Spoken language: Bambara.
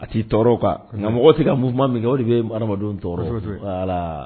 A t'i tɔɔrɔ o kan nka mɔgɔ tɛ ka mouvement min kɛ o de bɛ adamadenw tɔɔrɔ; kosɛbɛ, kosɛbɛɛ; voilà